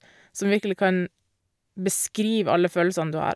Som virkelig kan beskrive alle følelsene du har.